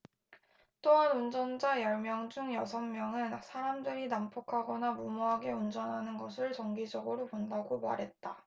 또한 운전자 열 명 중 여섯 명은 사람들이 난폭하거나 무모하게 운전하는 것을 정기적으로 본다고 말했다